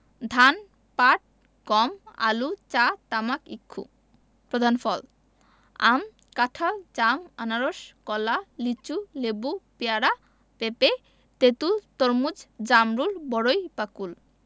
ধান পাট গম আলু চা তামাক ইক্ষু প্রধান ফলঃ আম কাঁঠাল জাম আনারস কলা লিচু লেবু পেয়ারা পেঁপে তেঁতুল তরমুজ জামরুল বরই বা কুল